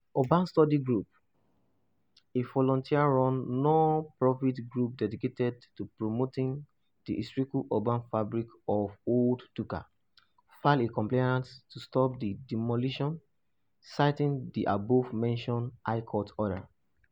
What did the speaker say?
Urban Study Group, a volunteer-run nonprofit group dedicated to protecting the historical urban fabric of Old Dhaka, filed a complaint to stop the demolition, citing the above mentioned High Court order.